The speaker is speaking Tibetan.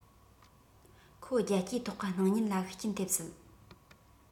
ཁོ རྒྱལ སྤྱིའི ཐོག གི སྣང བརྙན ལ ཤུགས རྐྱེན ཐེབས སྲིད